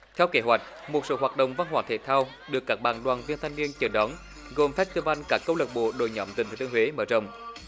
theo kế hoạch một số hoạt động văn hóa thể thao được các bạn đoàn viên thanh niên chào đón gồm phét ti van các câu lạc bộ đội nhóm tỉnh thừa thiên huế mở rộng